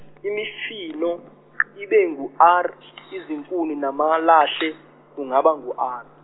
imifino, ibe ngu R izinkuni namalahle kungaba ngu R.